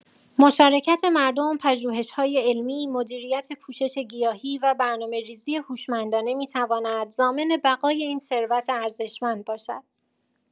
مشارکت مردم، پژوهش‌‌های علمی، مدیریت پوشش گیاهی و برنامه‌ریزی هوشمندانه می‌تواند ضامن بقای این ثروت ارزشمند باشد.